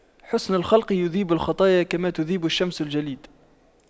حُسْنُ الخلق يذيب الخطايا كما تذيب الشمس الجليد